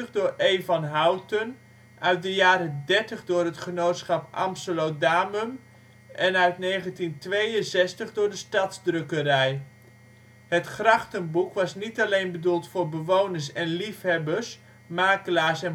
door E. van Houten, uit de jaren dertig door het Genootschap Amstelodamum en uit 1962 door de Stadsdrukkerij. Het Grachtenboek was niet alleen bedoeld voor bewoners en liefhebbers, makelaars